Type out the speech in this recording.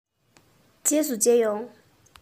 རྗེས སུ མཇལ ཡོང